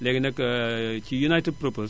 léegi nag ci United Propos